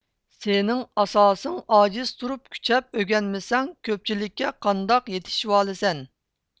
سېنىڭ ئاساسىڭ ئاجىز تۇرۇپ كۈچەپ ئۆگەنمىسەڭ كۆپچىلىككە قانداق يېتىشىۋالسەن